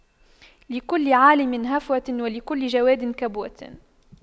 لكل عالِمٍ هفوة ولكل جَوَادٍ كبوة